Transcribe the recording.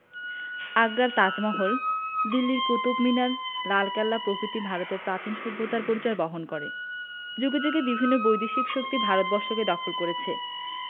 আগ্রার তাজমহল দিল্লির কুতুব মিনার লালকেল্লা প্রভিতি ভারতের প্রাচীন সভ্যতার পরিচয় বহন করেযুগে যুগে বিভিন্ন বৈদেশিক শক্তি ভারতবর্ষকে দখল করেছে